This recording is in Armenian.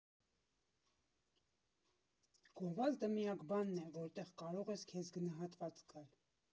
Գովազդը միակ բանն է, որտեղ կարող ես քեզ գնահատված զգալ.